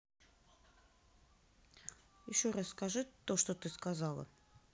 еще раз скажи то что ты сказала